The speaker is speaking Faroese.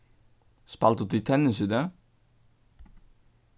spældu tit tennis í dag